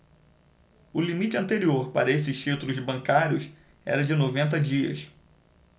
o limite anterior para estes títulos bancários era de noventa dias